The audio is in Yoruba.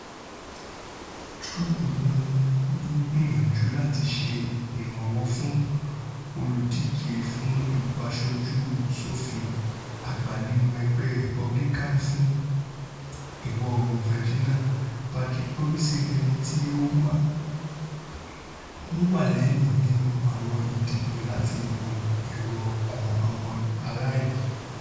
Trump ńgbìyànjú láti ṣe ìrànwọ́ fún olùdíje fún ipò Aṣojú-ṣòfin Àgbà nínú ẹgbẹ́ Republican fún Ìwọ-oòrùn Virginia Patrick Morrisey ẹniti ó ńwà lẹ́yìn nínú àwọn ìdìbò láti mọ èrò-ọkàn àwọn ara ìlú.